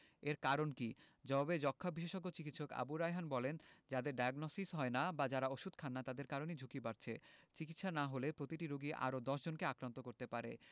এর কারণ কী জবাবে যক্ষ্মা বিশেষজ্ঞ চিকিৎসক আবু রায়হান বলেন যাদের ডায়াগনসিস হয় না বা যারা ওষুধ খান না তাদের কারণেই ঝুঁকি বাড়ছে চিকিৎসা না হলে প্রতিটি রোগী আরও ১০ জনকে আক্রান্ত করাতে পারে